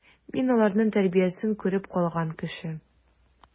Мин аларның тәрбиясен күреп калган кеше.